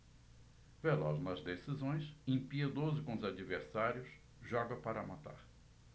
veloz nas decisões impiedoso com os adversários joga para matar